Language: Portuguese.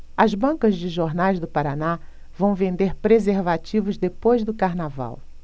as bancas de jornais do paraná vão vender preservativos depois do carnaval